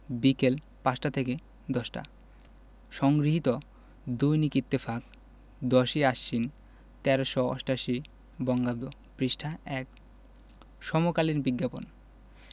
বিকাল ৫টা থেকে ১০টা সংগৃহীত দৈনিক ইত্তেফাক ১০ই আশ্বিন ১৩৮৮ বঙ্গাব্দ পৃষ্ঠা – ১ সমকালীন বিজ্ঞাপন